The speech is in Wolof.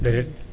déedéet